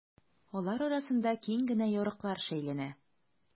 Алар арасында киң генә ярыклар шәйләнә.